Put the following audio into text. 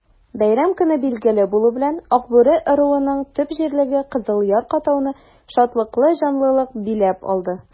Бәйрәм көне билгеле булу белән, Акбүре ыруының төп җирлеге Кызыл Яр-катауны шатлыклы җанлылык биләп алды.